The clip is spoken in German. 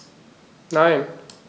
Nein.